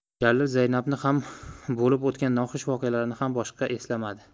jalil zaynabni ham bo'lib o'tgan noxush voqealarni ham boshqa eslamadi